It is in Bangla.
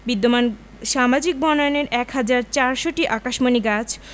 বিদ্যমান সামাজিক বনায়নের ১ হাজার ৪০০টি আকাশমণি গাছ